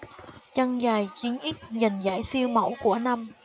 chân dài chín x giành giải siêu mẫu của năm